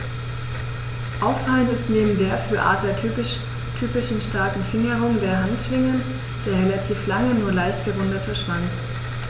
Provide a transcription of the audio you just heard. Auffallend ist neben der für Adler typischen starken Fingerung der Handschwingen der relativ lange, nur leicht gerundete Schwanz.